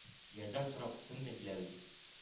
Ярдәм сорап кемгә киләбез